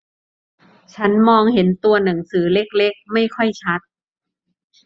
ฉันมองเห็นตัวหนังสือเล็กเล็กไม่ค่อยชัด